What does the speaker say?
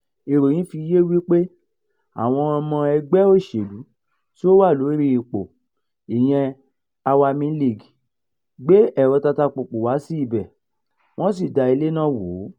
Ìròyìn fi yé wípé àwọn ọmọ ẹgbẹ́ òṣèlú tí ó wà lórí ipò ìyẹn Awami League (AL) gbé ẹ̀rọ tatapùpù wá sí ibẹ̀, wọ́n sì da ilé náà wó.